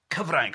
Cyfrainc.